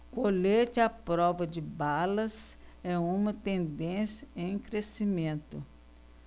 colete à prova de balas é uma tendência em crescimento